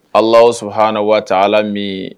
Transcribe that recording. Alaaw sɔn hana waa ala min